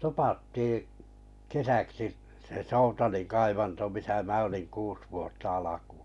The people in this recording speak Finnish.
topattiin kesäksi se Soutalin kaivanto missä minä olin kuusi vuotta alkuun